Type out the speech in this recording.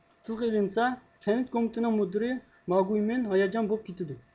بۇ ئىش تىلغا ئېلىنسا كەنت كومىتېتىنىڭ مۇدىرى ماگۈيمىن ھاياجان بولۇپ كېتىدۇ